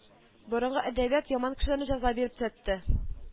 Борынгы әдәбият яман кешеләрне җәза биреп төзәтте